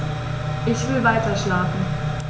Ich will weiterschlafen.